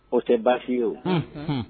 O tɛ baasi ye o, unhun